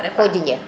fo jinjeer